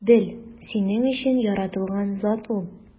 Бел: синең өчен яратылган зат ул!